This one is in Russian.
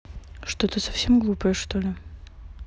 ты что совсем глупая что ли